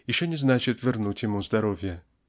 еще не значит вернуть ему здоровье.